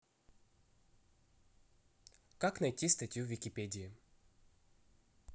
как найти статью в википедии